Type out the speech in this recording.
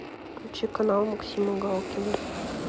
включи канал максима галкина